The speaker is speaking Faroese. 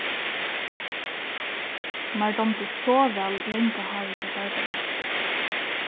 mær dámdi so væl langa hárið hjá barbaru